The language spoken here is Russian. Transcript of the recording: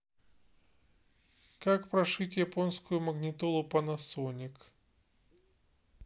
как прошить японскую магнитолу панасоник